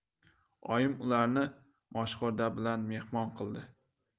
oyim ularni moshxo'rda bilan mehmon qildi